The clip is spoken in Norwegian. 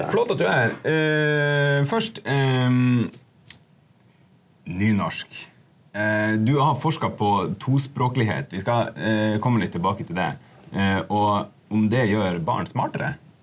flott at du er her først nynorsk du har forska på tospråklighet vi skal komme litt tilbake til det og om det gjør barn smartere.